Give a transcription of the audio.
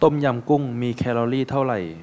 ต้มยำกุ้งมีแคลอรี่เท่าไหร่